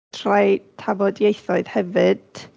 Rhai tafodieithoedd hefyd.